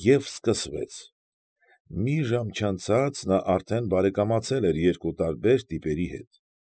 Եվ սկսվեց։ Մի ժամ չանցած նա արդեն բարեկամացել էր երկու տարբեր տիպերի հետ։